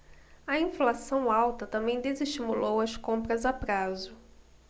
a inflação alta também desestimulou as compras a prazo